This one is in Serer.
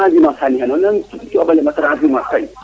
*